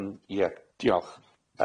Yym ie, diolch.